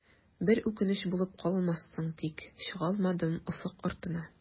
Бер үкенеч булып калмассың тик, чыгалмадым офык артына.